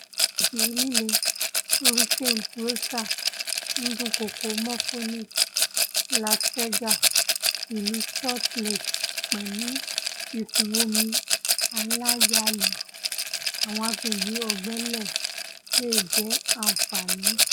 Ìjì-líle Hurricane Rosa ńdúnkòokò mọ́ Phoenix, Las Vegas, Ìlú Salt Lake pẹ̀lú Ìkún-omi aláyalù (Àwọn agbègbè̀̀ Ọ̀gbẹlẹ̀ leè jẹ́ Àǹfààní)